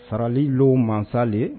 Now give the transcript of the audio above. Sarali' mansa de